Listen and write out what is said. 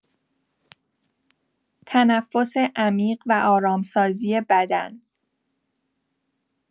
تنفس عمیق و آرام‌سازی بدن